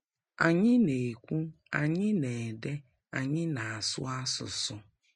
Anyị na-ekwu, anyị na-ede, anyị na-asụ asụsụ.